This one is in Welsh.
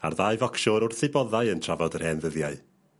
a'r ddau focsiwr wrth eu boddau yn trafod yr hen ddyddiau.